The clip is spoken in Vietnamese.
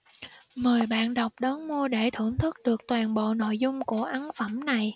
mời bạn đọc đón mua để thưởng thức được toàn bộ nội dung của ấn phẩm này